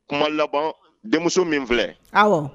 Kuma laban denmuso min filɛ